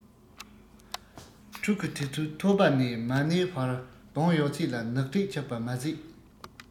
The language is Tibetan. ཕྲུ གུ དེ ཚོའི ཐོད པ ནས མ ནེའི བར གདོང ཡོད ཚད ལ ནག དྲེག ཆགས པ མ ཟད